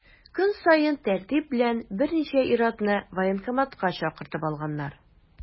Көн саен тәртип белән берничә ир-атны военкоматка чакыртып алганнар.